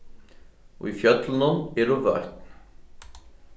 í fjøllunum eru vøtn